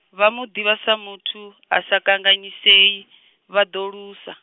vha mu ḓivha sa muthu, a sa kanganyisei, vha ḓo lusa.